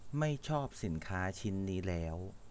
ไม่ชอบสินค้านี้แล้ว